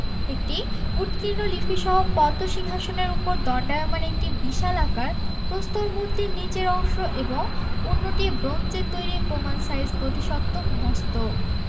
একটি উৎকীর্ণ লিপিসহ পদ্ম সিংহাসনের ওপর দণ্ডায়মান একটি বিশালাকার প্রস্তর মূর্তির নিচের অংশ এবং অন্যটি ব্রোঞ্জের তৈরী প্রমাণ সাইজ বোধিসত্ত্ব মস্তক